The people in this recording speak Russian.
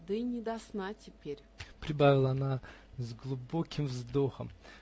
-- Да и не до сна теперь, -- прибавила она с глубоким вздохом.